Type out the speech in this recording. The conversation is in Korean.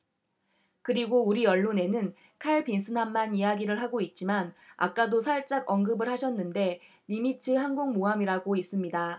그리고 우리 언론에는 칼빈슨함만 이야기를 하고 있지만 아까 도 살짝 언급을 하셨는데 니미츠 항공모함이라고 있습니다